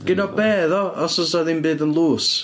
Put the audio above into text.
Gynna be ddo, os oes na ddim byd yn loose?